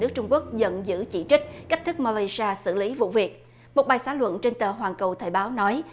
nước trung quốc giận dữ chỉ trích cách thức malaysia xử lý vụ việc một bài xã luận trên tờ hoàn cầu thời báo nói